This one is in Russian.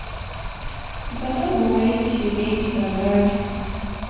а потом говорить реветь страдать